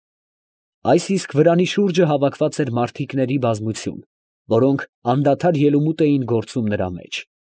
Այս իսկ վրանի շուրջը հավաքված էր մարդիկների բազմություն, որոնք անդադար ելումուտ էին գործում նրա մեջ։